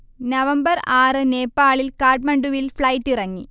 November ആറ് നേപ്പാളിൽ കാഠ്മണ്ഡുവിൽ ഫ്ളൈറ്റിറങ്ങി